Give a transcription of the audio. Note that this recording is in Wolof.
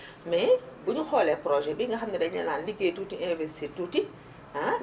mais buñu xoolee projet bii nga xam ne dañu la naan liggéey tuuti investir tuuti ha